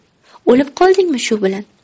o'lib qoldingmi shu bilan